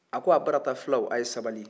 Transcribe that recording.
a k'a barata fulaw aw ye sabali